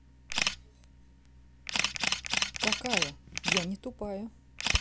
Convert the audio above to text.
какая я не тупая